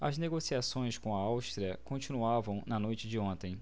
as negociações com a áustria continuavam na noite de ontem